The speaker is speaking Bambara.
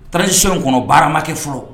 Transition kɔnɔ baara ma kɛ fɔlɔ